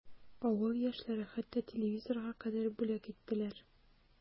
Авыл яшьләре хәтта телевизорга кадәр бүләк иттеләр.